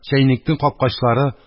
Чәйнекнең капкачлары